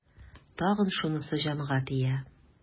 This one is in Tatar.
Тагын шунысы җанга тия.